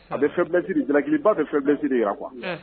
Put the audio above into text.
A bɛ fɛnlɛsiri de jalakiba tɛ fɛnlɛsiri de ye kuwa